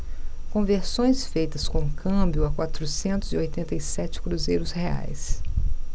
conversões feitas com câmbio a quatrocentos e oitenta e sete cruzeiros reais